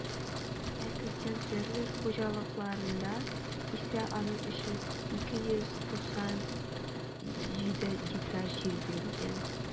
Ә крестьян-фермер хуҗалыкларында исә аның өчен 297 гектар җир бүленгән.